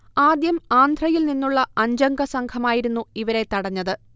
ആദ്യം ആന്ധ്രയിൽ നിന്നുള്ള അഞ്ചംഗ സംഘമായിരുന്നു ഇവരെ തടഞ്ഞത്